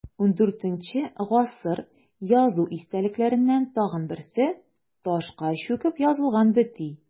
ХIV гасыр язу истәлекләреннән тагын берсе – ташка чүкеп язылган бөти.